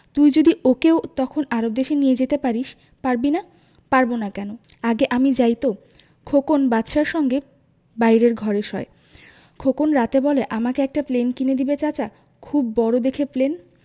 তুই যদি ওকেও তখন আরব দেশে নিয়ে যেতে পারিস পারবি না পারব না কেন আগে আমি যাই তো খোকন বাদশার সঙ্গে বাইরের ঘরে শোয় খোকন রাতে বলে আমাকে একটা প্লেন কিনে দিবে চাচা খুব বড় দেখে প্লেন